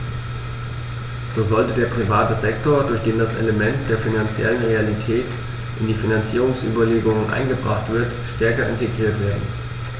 So sollte der private Sektor, durch den das Element der finanziellen Realität in die Finanzierungsüberlegungen eingebracht wird, stärker integriert werden.